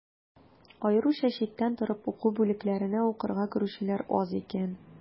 Аеруча читтән торып уку бүлекләренә укырга керүчеләр аз икән.